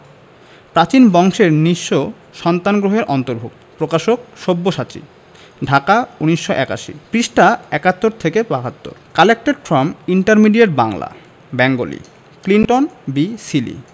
প্রাচীন বংশের নিঃস্ব সন্তান গ্রন্থের অন্তর্ভুক্ত প্রকাশকঃ সব্যসাচী ঢাকা ১৯৮১ পৃষ্ঠাঃ ৭১ থেকে ৭২ collected from intermediate Bangla Bengali Clinton B Seely